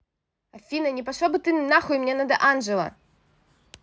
афина не пошла бы ты нахуй мне надо анджела